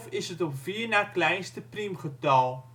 is het op vier na kleinste priemgetal